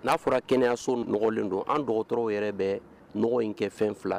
N'a fɔra kɛnɛyaso n nɔgɔlen don an dɔgɔtɔrɔw yɛrɛ bɛ nɔgɔ in kɛ fɛn fila